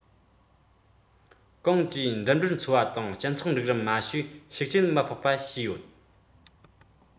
གངས ཀྱིས འགྲིམ འགྲུལ འཚོ བ དང སྤྱི ཚོགས སྒྲིག རིམ དམའ ཤོས ཤུགས རྐྱེན མི ཕོག པ བྱས ཡོད